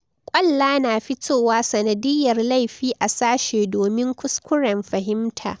kwalla na fitowa sanadiyar laifi a sashe domin kuskuren fahimta.